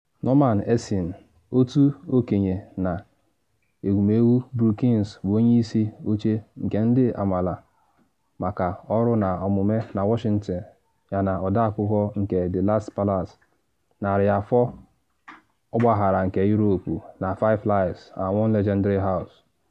Norman Eisen, otu okenye na Ewumewu Brookings, bụ onye isi oche nke Ndị Amaala maka Ọrụ na Omume na Washington yana ọdee akwụkwọ nke “The Last Palace: Narị Afọ Ọgbaghara nke Europe na Five Lives and One Legendary House.”